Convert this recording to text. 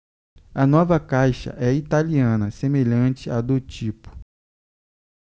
a nova caixa é italiana semelhante à do tipo